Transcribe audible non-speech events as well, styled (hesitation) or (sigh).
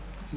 (hesitation)